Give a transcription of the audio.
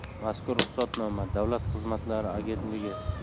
mazkur ruxsatnoma davlat xizmatlari agentligi